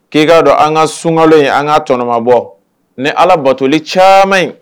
K'i k'a dɔn an ka sunkalo in an k'a tɔnɔmabɔ ni Ala batoli caman ye